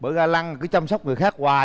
ga lăng chăm sóc người khác hoài